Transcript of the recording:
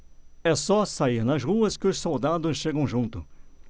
é só sair nas ruas que os soldados chegam junto